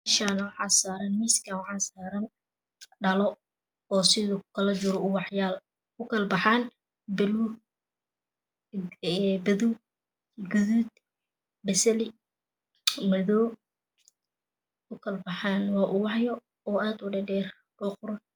Meeshaan waxaa saaran .Miiskaan waxaa saaran ubax yaal. Dhalo oo sidii ukala baxsan baluug, gaduud, basali, madow waa ubaxayo aad ku dheer dheer oo qurux badan